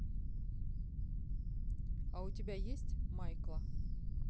а у тебя есть майкла